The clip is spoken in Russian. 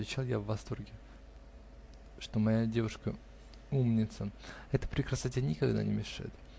-- отвечал я в восторге, что моя девушка умница: это при красоте никогда не мешает.